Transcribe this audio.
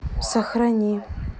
сохрани